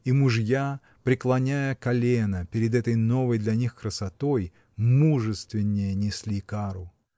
И мужья, преклоняя колена перед этой новой для них красотой, мужественнее несли кару.